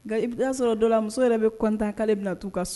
Nka i y'a sɔrɔ dɔ la muso yɛrɛ bɛ kɔntan'ale bɛna na taa'u ka so